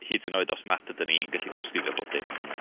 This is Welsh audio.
Hyd yn oed os nad ydyn ni'n gallu trawsgrifio pob dim yn hynna.